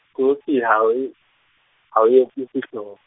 Kofi ha e, ha e opise hlooho.